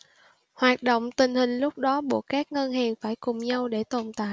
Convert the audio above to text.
hoạt động tình hình lúc đó buộc các ngân hàng phải cùng nhau để tồn tại